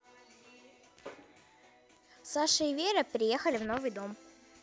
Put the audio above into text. саша и вера переехали в новый дом